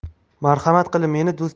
marhamat qilib meni